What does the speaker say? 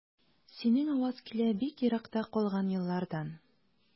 Синең аваз килә бик еракта калган еллардан.